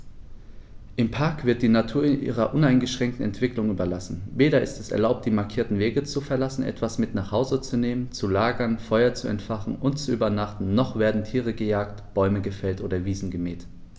Im Park wird die Natur ihrer uneingeschränkten Entwicklung überlassen; weder ist es erlaubt, die markierten Wege zu verlassen, etwas mit nach Hause zu nehmen, zu lagern, Feuer zu entfachen und zu übernachten, noch werden Tiere gejagt, Bäume gefällt oder Wiesen gemäht.